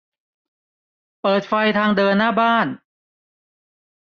เปิดไฟทางเดินหน้าบ้าน